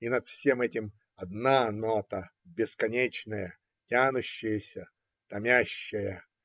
И над всем этим одна нота, бесконечная, тянущаяся, томящая.